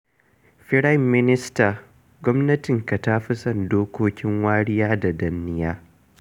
Firanminista, gwamnatinka ta fi son dokokin wariya da danniya.